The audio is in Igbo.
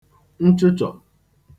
nchụchò